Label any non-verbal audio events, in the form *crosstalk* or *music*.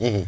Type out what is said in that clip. *hesitation* *hesitation*